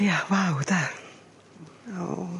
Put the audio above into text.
Ia waw 'de? O.